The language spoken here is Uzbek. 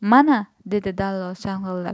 mana dedi dallol shang'illab